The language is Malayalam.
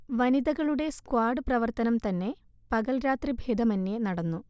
വനിതകളുടെ സ്ക്വാഡ് പ്രവർത്തനം തന്നെ പകൽരാത്രി ദേഭമേന്യേ നടന്നു